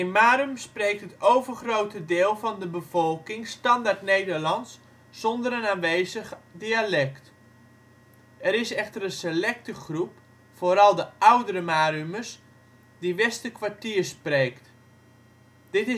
Marum spreekt het overgrote deel van de bevolking Standaardnederlands zonder een aanwezig dialect. Er is echter een selecte groep, vooral de oudere Marumer, die Westerkwartiers spreekt. Dit